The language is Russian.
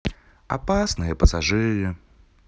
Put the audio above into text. опасные пассажиры